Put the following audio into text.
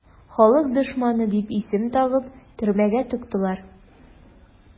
"халык дошманы" дип исем тагып төрмәгә тыктылар.